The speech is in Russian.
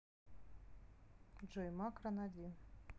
джой макрон один